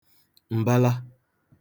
m̀bala